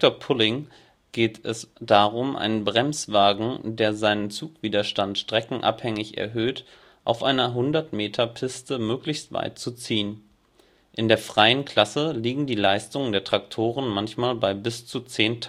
Pulling geht es darum, einen Bremswagen, der seinen Zugwiderstand streckenabhängig erhöht, auf einer 100m Piste möglichst weit zu ziehen. In der Freien Klasse liegen die Leistungen der Traktoren manchmal bei bis zu 10.000